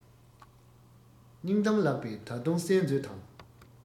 སྙིང གཏམ ལགས པས ད དུང གསན མཛོད དང